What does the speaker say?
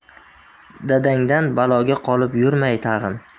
dadangdan baloga qolib yurmay tag'in